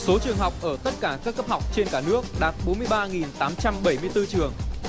số trường học ở tất cả các cấp học trên cả nước đạt bốn mươi ba nghìn tám trăm bảy mươi tư trường